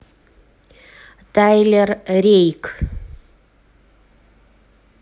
тайлер рейк